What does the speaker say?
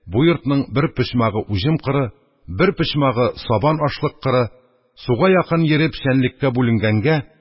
Бу йортның бер почмагы уҗым кыры, бер почмагы сабан ашлык кыры, суга якын йире печәнлеккә бүленгәнгә,